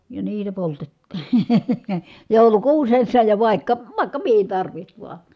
ja niitä poltettiin joulukuusessa ja vaikka vaikka mihin tarvitsi vain